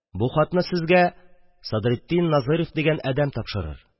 Бу хатны сезгә Садретдин Назыйров дигән әдәм тапшырыр.